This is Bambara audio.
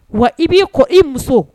Wa i b'i kɔ i muso